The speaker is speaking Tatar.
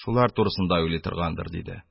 Шулар турысында уйлый торгандыр, -диде